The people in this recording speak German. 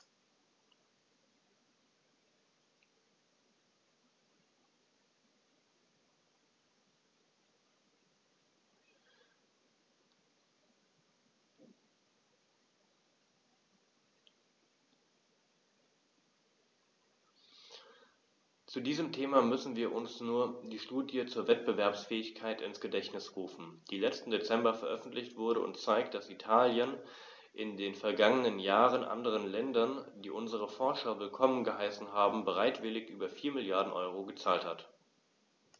Zu diesem Thema müssen wir uns nur die Studie zur Wettbewerbsfähigkeit ins Gedächtnis rufen, die letzten Dezember veröffentlicht wurde und zeigt, dass Italien in den vergangenen Jahren anderen Ländern, die unsere Forscher willkommen geheißen haben, bereitwillig über 4 Mrd. EUR gezahlt hat.